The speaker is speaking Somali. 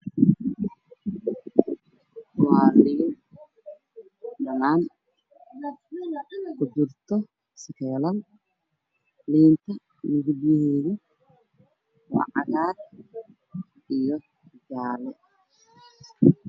Waaliin dhanaan liinta midabadeedu waa cagaar io jaalo